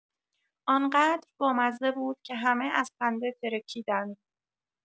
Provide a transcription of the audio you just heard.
آن‌قدر بامزه بود که همه از خنده ترکیدند.